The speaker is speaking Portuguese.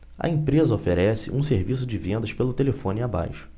a empresa oferece um serviço de vendas pelo telefone abaixo